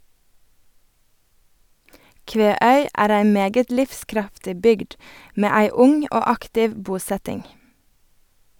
Kveøy er ei meget livskraftig bygd med ei ung og aktiv bosetting.